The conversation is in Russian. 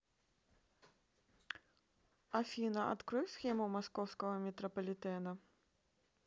афина открой схему московского метрополитена